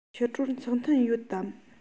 ཕྱི དྲོར ཚོགས ཐུན ཡོད དམ